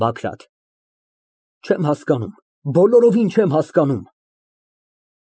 ԲԱԳՐԱՏ ֊ Չեմ հասկանում, բոլորովին չեմ հասկանում։